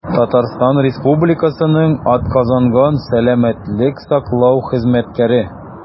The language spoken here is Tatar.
«татарстан республикасының атказанган сәламәтлек саклау хезмәткәре»